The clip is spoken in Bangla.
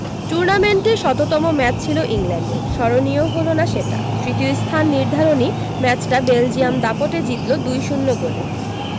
টুর্নামেন্টে শততম ম্যাচ ছিল ইংল্যান্ডের স্মরণীয় হলো না সেটা তৃতীয় স্থান নির্ধারণী ম্যাচটা বেলজিয়াম দাপটে জিতল ২ ০ গোলে